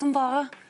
dw'm 'bo.